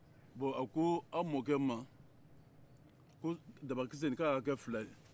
bɔn a ko an mɔkɛ ma ko dabakisɛ in ko a kɛ fila ye